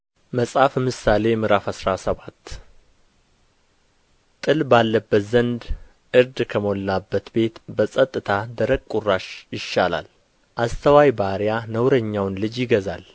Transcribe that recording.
መጽሐፈ ምሳሌ ምዕራፍ አስራ ሰባት ጥል ባለበት ዘንድ እርድ ከሞላበት ቤት በጸጥታ ደረቅ ቍራሽ ይሻላል አስተዋይ ባሪያ ነውረኛውን ልጅ ይገዛል